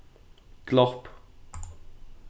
glopp